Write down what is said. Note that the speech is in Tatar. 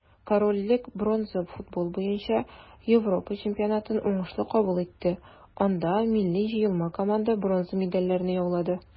Корольлек бронза футбол буенча Европа чемпионатын уңышлы кабул итте, анда милли җыелма команда бронза медальләрне яулады.